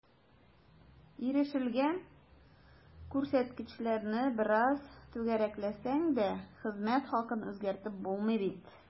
Ирешелгән күрсәткечләрне бераз “түгәрәкләсәң” дә, хезмәт хакын үзгәртеп булмый бит.